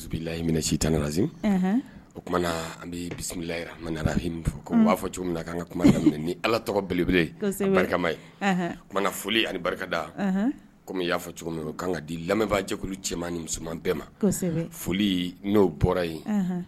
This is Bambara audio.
O an bɛ bisimila nana'a fɔ cogo ka ni ala tɔgɔ belebelema yeumana foli ani barikada kɔmi y'a fɔ cogo min' ka di lamɛnbaajɛkulu cɛman ni musoman bɛɛ ma foli n'o bɔra yen